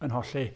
Yn holli.